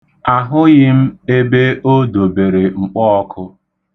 Ahụghị m ebe o dobere mkpọọkụ.